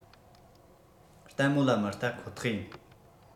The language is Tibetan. ལྟན མོ ལ མི ལྟ ཁོ ཐག ཡིན